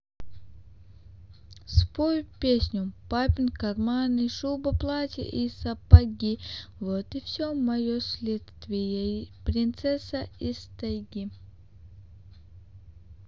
спой песню папин карманный шуба платья и собаки вот и все мое следствие принцесса и тайги